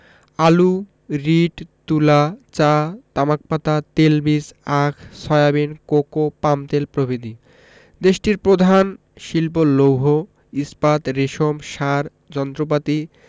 আলু রীট তুলা চা তামাক পাতা তেলবীজ আখ সয়াবিন কোকো পামতেল প্রভৃতি দেশটির প্রধান শিল্প লৌহ ইস্পাত রেশম সার যন্ত্রপাতি